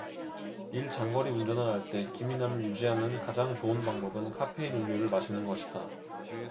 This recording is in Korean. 일 장거리 운전을 할 때 기민함을 유지하는 가장 좋은 방법은 카페인 음료를 마시는 것이다